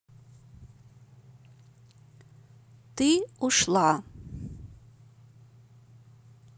ты ушла